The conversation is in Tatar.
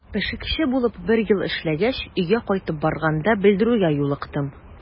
Пешекче булып бер ел эшләгәч, өйгә кайтып барганда белдерүгә юлыктым.